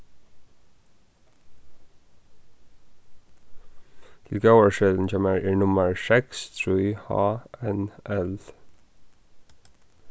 tilgóðarseðilin hjá mær er nummar seks trý h n l